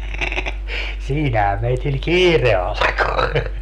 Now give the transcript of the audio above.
siinähän meillä kiire alkoi